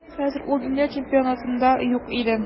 Хәзер ул дөнья чемпионатында юк иде.